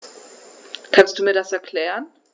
Kannst du mir das erklären?